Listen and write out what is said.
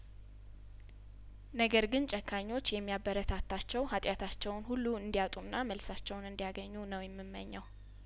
ነገር ግን ጨካኞች የሚያበረታታቸው ሀጢአታቸውን ሁሉ እንዲያጡና መልሳቸውን እንዲያገኙ ነው የምመኘው